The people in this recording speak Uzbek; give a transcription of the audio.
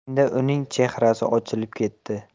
endi uning chehrasi ochilib ketdi